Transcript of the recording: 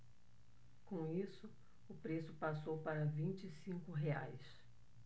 com isso o preço passou para vinte e cinco reais